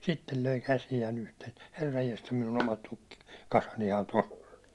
sitten löi käsiään yhteen herranjestas minun omat - tukkikasanihan tuossa on